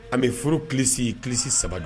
An bɛ furu kisi kilisisi saba don